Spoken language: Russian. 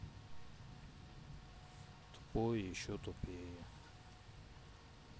тупой еще тупее